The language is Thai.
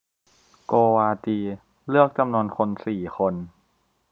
โกวาจีเลือกจำนวนคนสี่คน